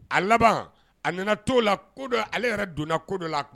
A laban a nana t' la kodo ale yɛrɛ donna kodo la